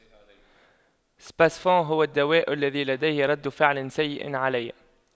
سباسفون هو الدواء الذي لديه رد فعل سيء علي